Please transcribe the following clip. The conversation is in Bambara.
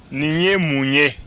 nin ye mun ye